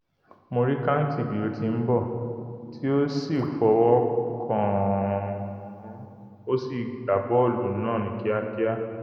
Mo rí Kante bí ó ti ń bọ̀ tí ó sì fọwọ́kàn ó sì gbà bọ́ọ̀lù náà ní kíakíá.''